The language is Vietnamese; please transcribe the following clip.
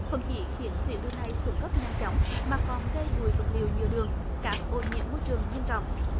không chỉ khiến tuyến đường này xuống cấp nhanh chóng mà còn gây bụi vật liệu nhựa đường cát ô nhiễm môi trường nghiêm trọng